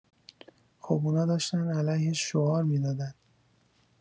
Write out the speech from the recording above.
خب اونا داشتن علیه‌اش شعار می‌دادن